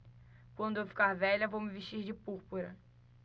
quando eu ficar velha vou me vestir de púrpura